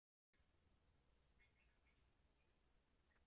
Բոլորս շունչներս պահեցինք, քանի որ մեր ուսուցչուհին մեզ հենց նոր պետական գաղտնիք էր բացել։